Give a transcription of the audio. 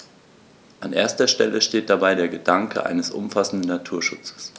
An erster Stelle steht dabei der Gedanke eines umfassenden Naturschutzes.